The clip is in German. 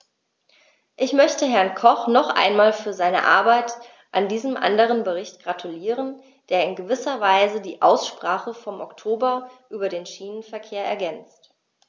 Ich möchte Herrn Koch noch einmal für seine Arbeit an diesem anderen Bericht gratulieren, der in gewisser Weise die Aussprache vom Oktober über den Schienenverkehr ergänzt.